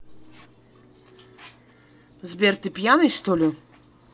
сбер ты пьяный что ли